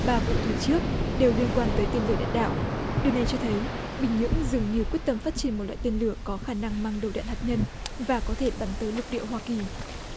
bà vụ thử trước đều liên quan tới tiền vệ lãnh đạo điều này cho thấy bình nhưỡng dường như quyết tâm phát triển một loại tên lửa có khả năng mang đầu đạn hạt nhân và có thể bắn tới lục địa hoa kỳ